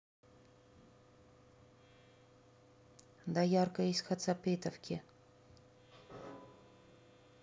доярка из хацапетовки